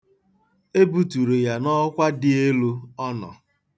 E buturu ya n'ọkwa dị elu ọ nọ.